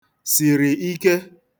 sìrì ike